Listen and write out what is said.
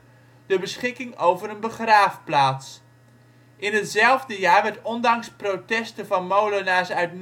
de beschikking over een begraafplaats. In hetzelfde jaar werd ondanks protesten van molenaars uit